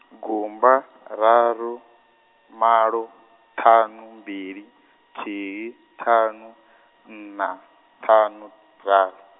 gumba, raru, malo, ṱhanu, mbili, thihi, ṱhanu, nṋa, ṱhanu, raru.